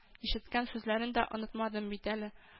Ишеткән сүзләрен дә онытмадым бит әле